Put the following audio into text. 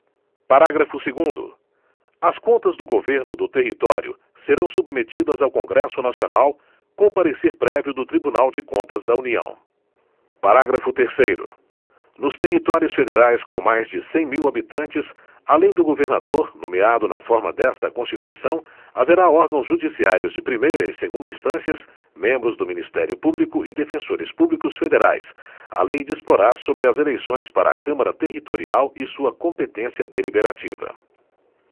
parágrafo segundo as contas do governo do território serão submetidas ao congresso nacional com parecer prévio do tribunal de contas da união parágrafo terceiro nos territórios federais com mais de cem mil habitantes além do governador nomeado na forma desta constituição haverá órgãos judiciários de primeira e segunda instâncias membros do ministério público e defensores públicos federais a lei disporá sobre as eleições para a câmara territorial e sua competência deliberativa